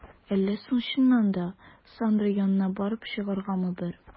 Әллә соң чыннан да, Сандра янына барып чыгаргамы бер?